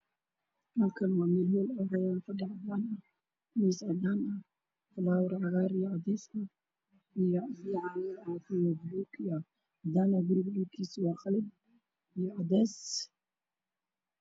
Meeshaan waa meel hool waxaa yaalo fadhi cadaan ah, miis cadaan ah, falaawar cagaar iyo cadeys ah, caagado caafi ah, guriga darbigiisa waa qalin iyo cadeys.